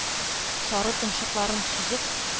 Сары томшыкларын сузып,